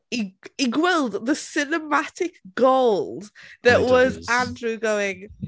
i- i gweld the cinematic gold that was Andrew going...